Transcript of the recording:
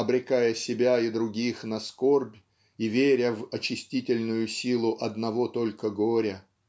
обрекая себя и других на скорбь и веря в очистительную силу одного только горя.